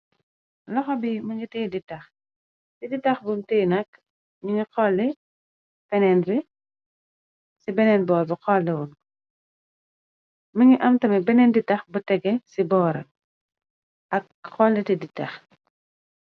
Loxo bi mëngi tey di tax, di ditax bu mtenak nu ngi xole penenr, ci beneen boor bu xoolewoon, mi ngi am tame beneen di tax bu tege ci boora, ak xoolete di tax.